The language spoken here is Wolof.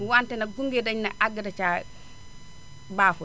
wante nag gunge dañu ne àgg da caa baaxul